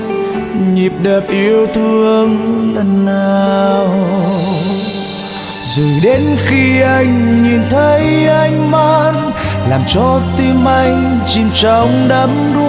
nhịp đập yêu thương lần nào rồi đến khi anh nhìn thấy ánh mắt làm cho tim anh chìm trong đắm đuối